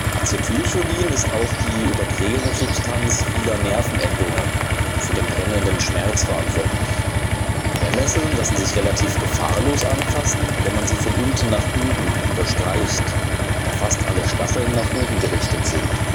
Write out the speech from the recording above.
Acetylcholin ist auch die Überträgersubstanz vieler Nervenendungen und für den brennenden Schmerz verantwortlich. Brennnesseln lassen sich relativ gefahrlos anfassen, wenn man sie von unten nach oben überstreicht, da fast alle Stacheln nach oben gerichtet sind